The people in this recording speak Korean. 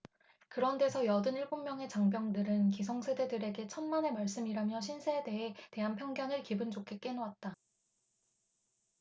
그런 데서 여든 일곱 명의 장병들은 기성세대들에게 천만의 말씀이라며 신세대에 대한 편견을 기분좋게 깨놓았다